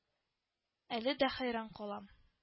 Әле дә хәйран калам